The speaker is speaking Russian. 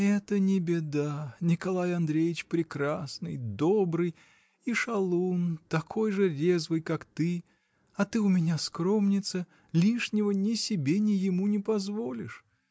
— Это не беда: Николай Андреич прекрасный, добрый — и шалун, такой же резвый, как ты, а ты у меня скромница, лишнего ни себе, ни ему не позволишь.